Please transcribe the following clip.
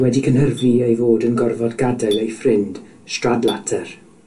wedi cynhyrfu ei fod yn gorfod gadael ei ffrind Stradlater.